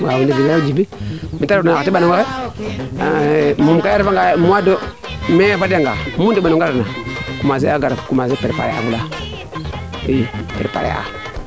wa ndigilo Djiby meete refna ref xa teɓanongaxe moom kay a refa ngaaye mois de mai fada nga mu neɓanonga ref na commencer i reka a pare a